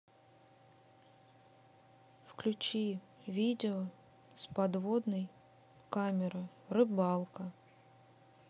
включи видео с подводной камеры рыбалка